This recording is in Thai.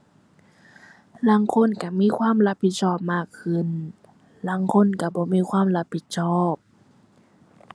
ลางคนก็มีความรับผิดชอบมากขึ้น ลางคนก็บ่มีความรับผิดชอบ